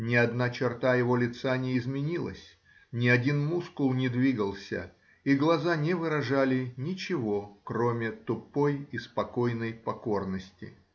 Ни одна черта его лица не изменилась, ни один мускул не двигался, и глаза не выражали ничего, кроме тупой и спокойной покорности.